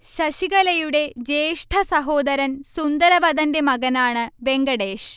ശശികലയുടെ ജ്യേഷ്ഠ സഹോദരൻ സുന്ദരവദന്റെ മകനാണ് വെങ്കടേഷ്